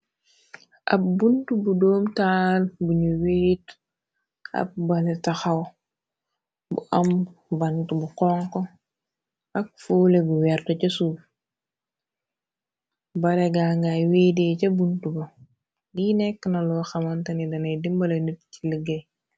Ab bunt bu doom taal buñu werit ab bale taxaw bu am bant bu xonk ak foole gu weert ca suuf barega ngay weedee ca bunt ba di nekk na loo xamantani danay dimbala nipt ci liggéey.